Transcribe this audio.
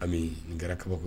An kɛra kabako